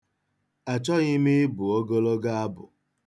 Achọghị m ịbụ ogologo abụ.